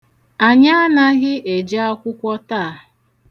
Anyị anaghị eje akwụkwọ taa.